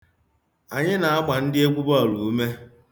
Anyị na-agba ndị egwu bọọlụ ume.